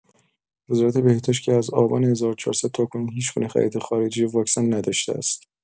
وزارت بهداشت از آبان ۱۴۰۰ تاکنون هیچ‌گونه خرید خارجی واکسن نداشته است.